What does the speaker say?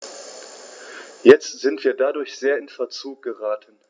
Jetzt sind wir dadurch sehr in Verzug geraten.